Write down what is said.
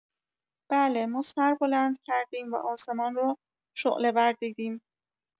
بله، ما سر بلند کردیم و آسمان را شعله‌ور دیدیم.